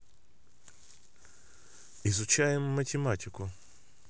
изучаем математику